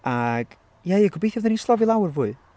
Ac ie gobeithio fyddan ni'n slofi lawr fwy.